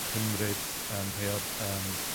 cymryd yym rhei o'r yym